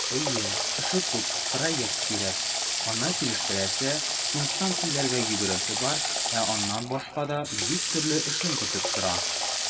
Әйе, эше күп - проект кирәк, аны килештерәсе, инстанцияләргә йөгерәсе бар, ә аннан башка да йөз төрле эшең көтеп тора.